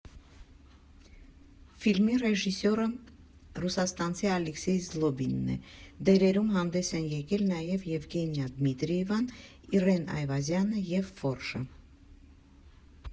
Ֆիլմի ռեժիսորը ռուսաստանցի Ալեքսեյ Զլոբինն է, դերերում հանդես են եկել նաև Եվգենիա Դմիտրիևան, Իռեն Այվազյանը և Ֆորշը։